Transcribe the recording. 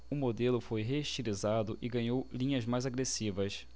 o modelo foi reestilizado e ganhou linhas mais agressivas